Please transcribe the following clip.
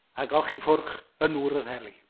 A golchi ffwrch yn nŵr yr heli.